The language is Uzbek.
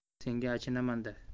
senga achinaman da